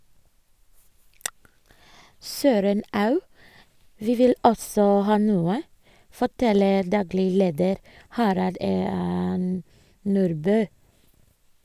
"Søren au - vi vil også ha noe!" forteller daglig leder Harald E. Nordbø.